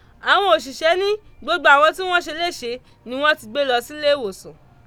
Àwọn òṣìsẹ́ ní gbogbo àwọn tí wọ́n ṣe léṣe ni wọ́n ti gbé lọ sílééwòsàn.